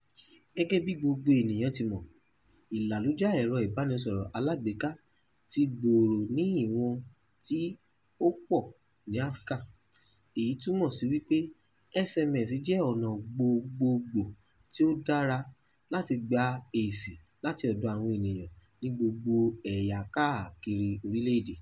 Gẹ́gẹ́ bí gbogbo ènìyàn ti mọ̀, ìlàlújá ẹ̀rọ Ìbánisọrọ̀ alágbèéká ti gbòòrò ni ìwọ̀n tí ó pọ̀ ní Áfríkà, èyí túmọ̀ sí wí pé SMS jẹ́ ọ̀nà gbogbogbò tí ó dára láti gba èsì láti ọ̀dọ̀ àwọn ènìyàn ní gbogbo ẹ̀yà káàkiri orílẹ̀ èdè.